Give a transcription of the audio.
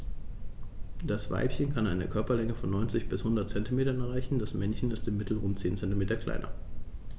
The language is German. Das Weibchen kann eine Körperlänge von 90-100 cm erreichen; das Männchen ist im Mittel rund 10 cm kleiner.